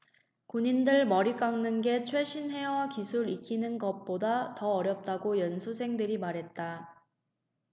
군인들 머리 깎는 게 최신 헤어 기술 익히는 것보다 더 어렵다고 연수생들이 말했다